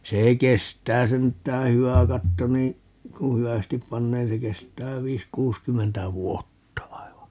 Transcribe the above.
se kestää sentään hyvä katto niin kun hyvästi panee se kestää viisi kuusikymmentä vuotta aivan